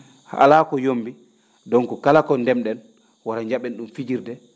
ala ko yombi donc kala ko ndem?en wara nja?en ?um fijirde